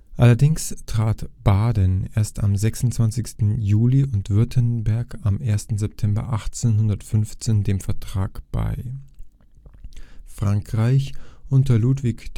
Allerdings trat Baden erst am 26. Juli und Württemberg am 1. September 1815 dem Vertrag bei. Frankreich unter Ludwig